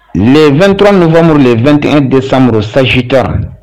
' le 23 Novembre le 21 décembre sagitaire